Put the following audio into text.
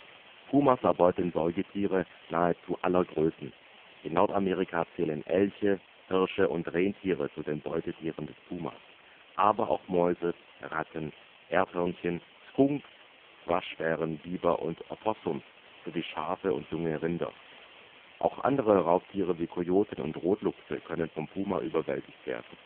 Pumas erbeuten Säugetiere nahezu aller Größen. In Nordamerika zählen Elche, Hirsche und Rentiere zu den Beutetieren des Pumas, aber auch Mäuse, Ratten, Erdhörnchen, Skunks, Waschbären, Biber und Opossums sowie Schafe und junge Rinder. Auch andere Raubtiere wie Kojoten und Rotluchse können vom Puma überwältigt werden